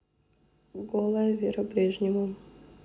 голая вера брежнева